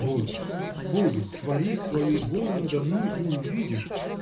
— Буду, буду, твори свою волю надо мной и увидишь.